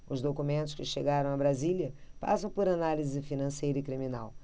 os documentos que chegaram a brasília passam por análise financeira e criminal